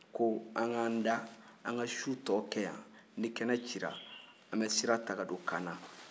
ko an ka an da an ka su tɔ kɛ yan ni kɛnɛ cira an bɛ sira ta ka don kaana